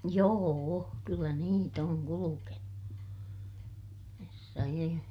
joo kyllä niitä on kulkenut herra ie